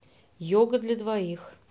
йога для двоих